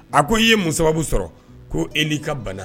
A ko i ye muso sɔrɔ ko ei ka bana